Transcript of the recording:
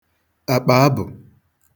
àkpàabụ̀